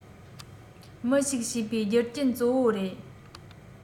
མི ཞིག བྱེད པའི རྒྱུ རྐྱེན གཙོ བོ རེད